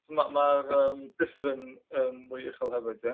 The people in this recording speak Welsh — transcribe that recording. Timod, ma'r yym dyffryn yn mwy uchel hefyd ia?